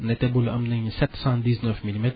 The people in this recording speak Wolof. Netebulu am nañu sept cent dix neuf milimètres